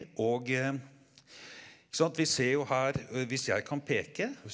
og ikke sant vi ser jo her hvis jeg kan peke.